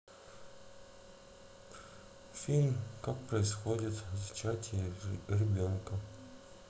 фильм как происходит зачатие ребенка